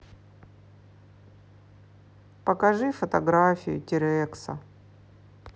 покажи фотографию тирекса